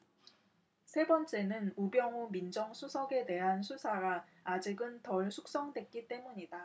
세 번째는 우병우 민정수석에 대한 수사가 아직은 덜 숙성됐기 때문이다